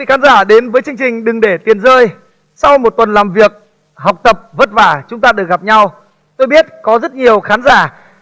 khán giả đến với chương trình đừng để tiền rơi sau một tuần làm việc học tập vất vả chúng ta được gặp nhau tôi biết có rất nhiều khán giả